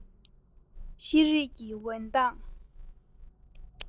ཤེས རིག གི འོད མདངས